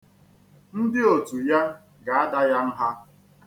Ndị otu ya ga-ada ya nha.